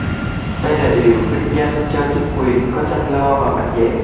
đây là điều vinh danh cho chính quyền có chăm lo và mạnh dạn